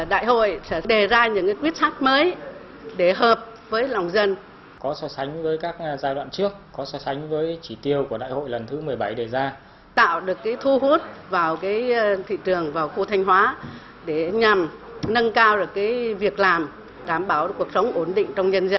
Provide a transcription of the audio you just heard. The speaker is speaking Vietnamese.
đại hội đề ra những nghị quyết thắt mới để hợp với lòng dân có so sánh với các nhà giai đoạn trước có so sánh với chỉ tiêu của đại hội lần thứ mười bảy đề ra tạo được ký thu hút vào cái thị trường vào khu thanh hóa để nhằm nâng cao được cái việc làm đảm bảo được cuộc sống ổn định trong nhân dân